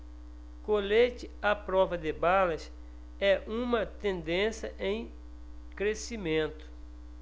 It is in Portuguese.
colete à prova de balas é uma tendência em crescimento